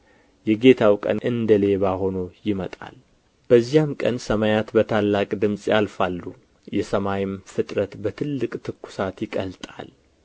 የጌታው ቀን ግን እንደ ሌባ ሆኖ ይመጣል በዚያም ቀን ሰማያት በታላቅ ድምፅ ያልፋሉ የሰማይም ፍጥረት በትልቅ ትኵሳት ይቀልጣል